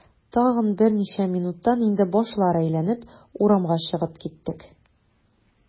Тагын берничә минуттан инде башлар әйләнеп, урамга чыгып киттек.